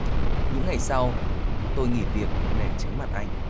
những ngày sau tôi nghỉ việc để tránh mặt anh